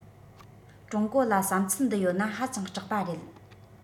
ཀྲུང གོ ལ བསམ ཚུལ འདི ཡོད ན ཧ ཅང སྐྲག པ རེད